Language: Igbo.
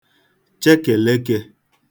chekèlekē